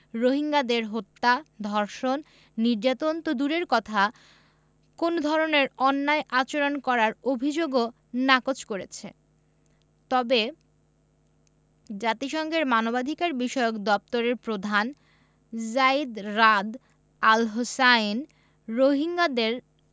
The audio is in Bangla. রোহিঙ্গাদের হত্যা ধর্ষণ নির্যাতন তো দূরের কথা কোনো ধরনের অন্যায় আচরণ করার অভিযোগও নাকচ করেছে তবে জাতিসংঘের মানবাধিকারবিষয়ক দপ্তরের প্রধান যায়িদ রাদ আল হোসাইন রোহিঙ্গাদের